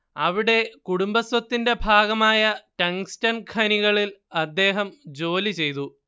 അവിടെ കുടുംബസ്വത്തിന്റെ ഭാഗമായ ടങ്ങ്സ്ടൻ ഖനികളിൽ അദ്ദേഹം ജോലിചെയ്തു